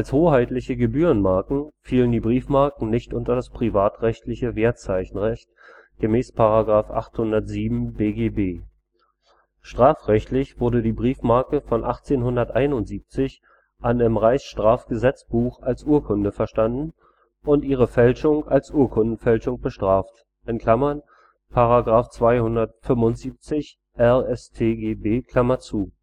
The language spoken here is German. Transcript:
hoheitliche Gebührenmarken fielen die Briefmarken nicht unter das privatrechtliche Wertzeichenrecht gem. § 807 BGB. Strafrechtlich wurde die Briefmarke von 1871 an im Reichs-Straf-Gesetzbuch als Urkunde verstanden und ihre Fälschung als Urkundenfälschung bestraft (§ 275 RStGB). In